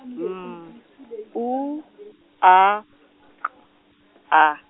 M U A K A.